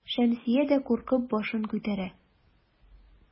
Шәмсия дә куркып башын күтәрә.